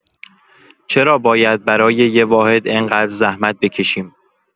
چرا باید برای یه واحد انقدر زحمت بکشیم؟